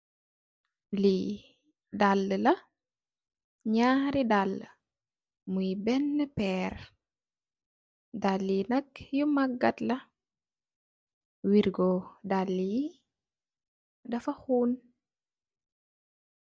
Li dalla la ñaari dalla muy benna péér, dalliyi nak yu magat la wirgo dalla yi dafa xoon.